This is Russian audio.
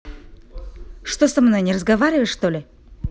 что со мной не разговариваешь что ли